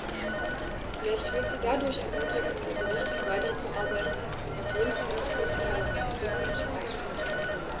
Vielleicht wird sie dadurch ermutigt, in diese Richtung weiterzuarbeiten, auf jeden Fall möchte ich ihr aber meine Glückwünsche aussprechen.